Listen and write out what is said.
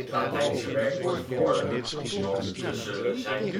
Latijnse werkwoord ' fore ' (te zullen zijn